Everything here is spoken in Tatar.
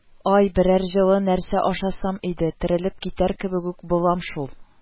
АЙ берәр җылы нәрсә ашасам иде, терелеп китәр кебек үк булам шул